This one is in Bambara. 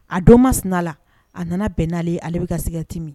A don masina la, a nana bɛn nale ye ale bi ka sigariti min.